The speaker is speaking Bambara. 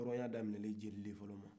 hɔɔrɔ ya daminana jeli de fɔlɔ la